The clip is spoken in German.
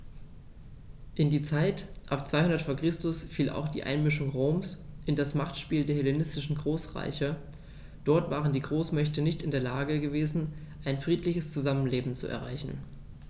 In die Zeit ab 200 v. Chr. fiel auch die Einmischung Roms in das Machtspiel der hellenistischen Großreiche: Dort waren die Großmächte nicht in der Lage gewesen, ein friedliches Zusammenleben zu erreichen.